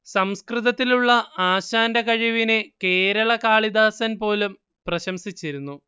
സംസ്കൃതത്തിലുള്ള ആശാന്റെ കഴിവിനെ കേരള കാളിദാസൻ പോലും പ്രശംസിച്ചിരുന്നു